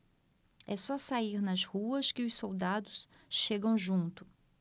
é só sair nas ruas que os soldados chegam junto